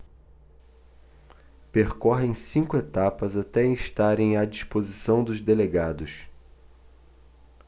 percorrem cinco etapas até estarem à disposição dos delegados